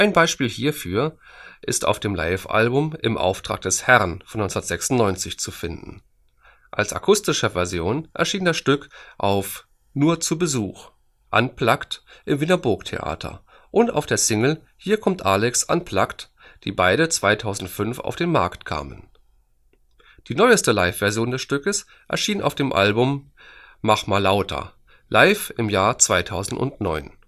Beispiel hierfür ist auf dem Live-Album Im Auftrag des Herrn von 1996 zu finden. Als akustische Version erschien das Stück auf Nur zu Besuch: Unplugged im Wiener Burgtheater und auf der Single Hier kommt Alex (unplugged), die beide 2005 auf den Markt kamen. Die neueste Live-Version des Stückes erschien auf dem Album Machmalauter Live im Jahr 2009